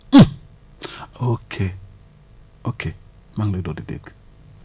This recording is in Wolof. ok ok maa ngi lay doog di dégg